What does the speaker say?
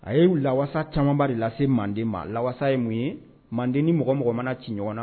A ye la camanba de lase manden ma la ye mun ye manden ni mɔgɔ mɔgɔ mana ci ɲɔgɔn na